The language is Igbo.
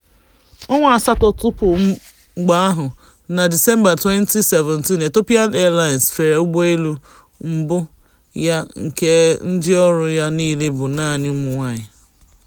Ọnwa asatọ tupu mgbe ahụ, na Disemba 2017, Ethiopian Airlines fere ụgbọelu mbụ ya nke ndịọrụ ya niile bụ naanị ụmụnwaanyị.